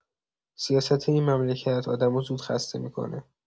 سیاست این مملکت آدمو زود خسته می‌کنه.